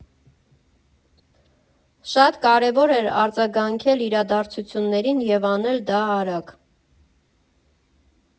Շատ կարևոր էր արձագանքել իրադարցություններին և անել դա արագ։